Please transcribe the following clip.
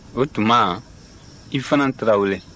o tuma i fana tarawele